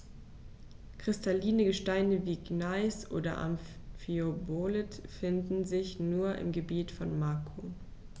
Kristalline Gesteine wie Gneis oder Amphibolit finden sich nur im Gebiet von Macun.